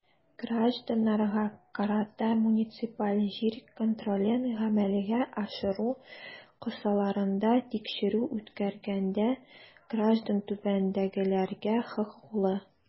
Гражданнарга карата муниципаль җир контролен гамәлгә ашыру кысаларында тикшерү үткәргәндә граждан түбәндәгеләргә хокуклы.